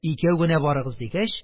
Икәү генә барыгыз, - дигәч,